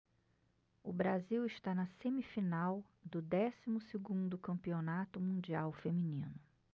o brasil está na semifinal do décimo segundo campeonato mundial feminino